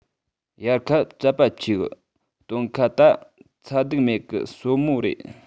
དབྱར ཁ ཙད པ ཆེ གི སྟོན ཁ ད ཚ གདུག མེད གི བསོད མོ རེད